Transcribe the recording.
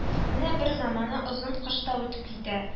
Менә бер заманы озын кыш та үтеп китә